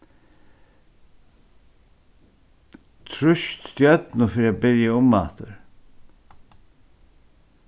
trýst stjørnu fyri at byrja umaftur